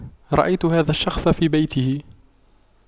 رأيت هذا الشخص في بيته